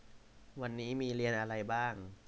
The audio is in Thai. วันนี้มีเรียนอะไรบ้าง